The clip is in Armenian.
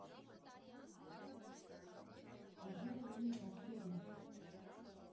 Հազար ու մի հոգսեր ունենք։